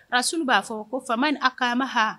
Ka sun b'a fɔ ko faama ni aaama h